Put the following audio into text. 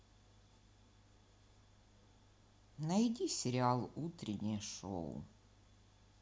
найди сериал утреннее шоу